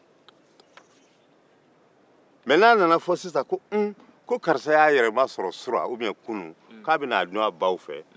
me n'a nana fɔ sisan ko karisa y'a yɛrɛ sɔrɔ k'a bɛna a dun a baw fɛ